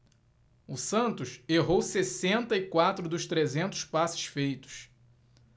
o santos errou sessenta e quatro dos trezentos passes feitos